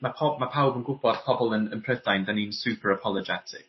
ma' po- ma' pawb yn gwbod pobol yn yn Prydain 'dan ni'n super apologetic